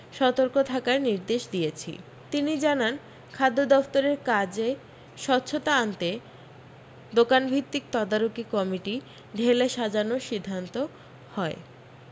সতর্ক থাকার নির্দেশ দিয়েছি তিনি জানান খাদ্য দফতরের কাজে স্বচ্ছ্বতা আনতে দোকান ভিত্তিক তদারকি কমিটি ঢেলে সাজার সিদ্ধান্ত হয়